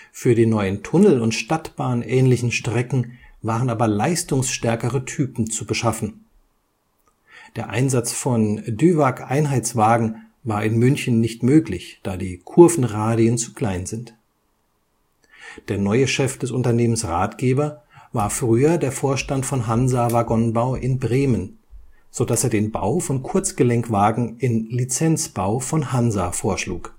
Für die neuen Tunnel - und stadtbahnähnlichen Strecken waren aber leistungsstärkere Typen zu beschaffen. Der Einsatz von Duewag-Einheitswagen war in München nicht möglich, da die Kurvenradien zu klein sind. Der neue Chef des Unternehmens Rathgeber war früher der Vorstand von Hansa Waggonbau in Bremen, sodass er den Bau von Kurzgelenkwagen in Lizenzbau von Hansa vorschlug